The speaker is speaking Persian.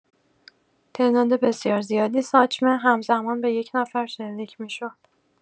تعداد بسیار زیادی ساچمه همزمان به یک نفر شلیک می‌شد.